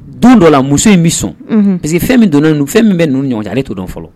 Du dɔ la muso in bɛ sɔn parce que fɛn min donna fɛn min bɛ ɲɔgɔn ale to dɔn fɔlɔ